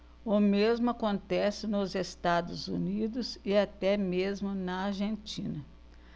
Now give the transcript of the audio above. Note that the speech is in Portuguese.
o mesmo acontece nos estados unidos e até mesmo na argentina